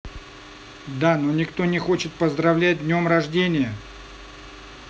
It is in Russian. да но никто не хочет поздравлять днем рождения